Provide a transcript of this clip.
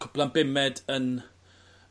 Cwpla'n bumed yn